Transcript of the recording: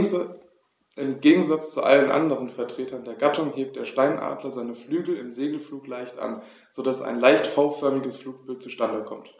Im Gegensatz zu allen anderen Vertretern der Gattung hebt der Steinadler seine Flügel im Segelflug leicht an, so dass ein leicht V-förmiges Flugbild zustande kommt.